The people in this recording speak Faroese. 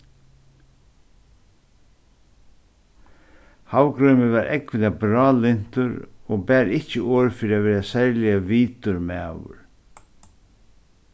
havgrímur var ógvuliga bráðlyntur og bar ikki orð fyri at vera serliga vitur maður